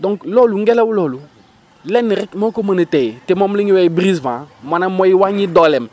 donc loolu ngelaw loolu lenn rek moo ko mën a téye te moom la ñuy woowee brise vent maanaam mooy wàññi dooleem